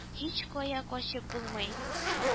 Һичкая качып булмый